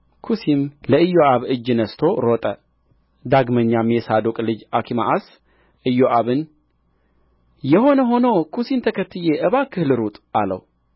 ኵሲም ለኢዮአብ እጅ ነስቶ ሮጠ ዳግመኛም የሳዶቅ ልጅ አኪማአስ ኢዮአብን የሆነ ሆኖ ኵሲን ተከትዬ እባክህ ልሩጥ አለው